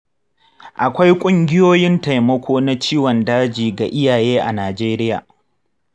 akwai ƙungiyoyin taimako na ciwon daji ga iyaye a najeriya.